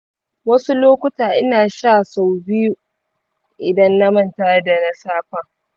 wasu lokuta ina sha sau biyu idan na manta da na safen.